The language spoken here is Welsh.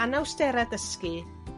anawstere dysgu,